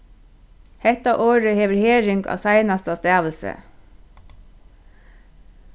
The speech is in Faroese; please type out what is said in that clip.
hetta orðið hevur herðing á seinasta stavilsi